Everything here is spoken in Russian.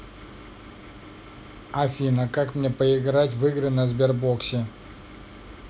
афина как мне поиграть в игры на сбербоксе